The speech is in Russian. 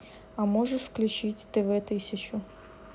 а можешь включить тв тысячу